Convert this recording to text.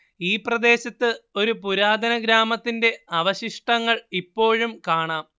ഈ പ്രദേശത്ത് ഒരു പുരാതന ഗ്രാമത്തിന്റെ അവശിഷ്ടങ്ങൾ ഇപ്പോഴും കാണാം